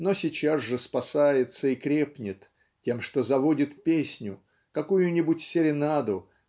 но сейчас же спасается и крепнет тем что заводит песню какую-нибудь серенаду